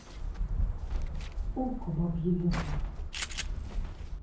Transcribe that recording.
okko бабье лето